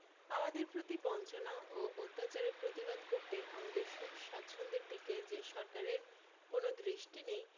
আমাদের প্রতি বঞ্চনা ও অত্যাচারের প্রতিবাদ করতে আমাদের সুখ স্বাচ্ছন্দ্যের দিকে যে সরকারের কোনো দৃষ্টি নেই